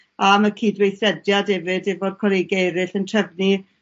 A am y cyd-weithrediad efyd efo'r colege eryll yn trefnu